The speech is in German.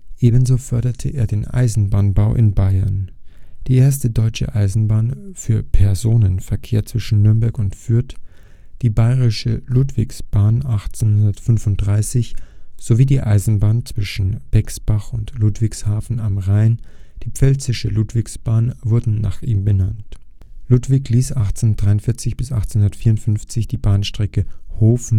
Ebenso förderte er den Eisenbahnbau in Bayern. Die erste deutsche Eisenbahn für Personenverkehr zwischen Nürnberg und Fürth, die Bayerische Ludwigsbahn (1835), sowie die Eisenbahn zwischen Bexbach und Ludwigshafen am Rhein, die Pfälzische Ludwigsbahn, wurden nach ihm benannt. Ludwig ließ 1843 bis 1854 die Bahnstrecke Hof